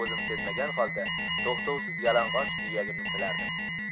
o'zim sezmagan holda to'xtovsiz yalang'och iyagimni silardim